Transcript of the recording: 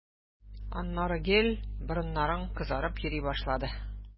Аннары гел борыннарың кызарып йөри башлады.